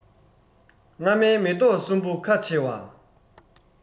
སྔ མའི མེ ཏོག གསུམ པོ ཁ བྱེ བ